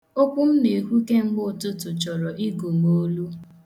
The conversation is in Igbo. Okwu m na-ekwu kemgbe ụtụtụ chọrọ ịgụ m olu.